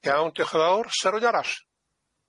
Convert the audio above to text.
Iawn diolch yn fawr. Sa rwyn arall?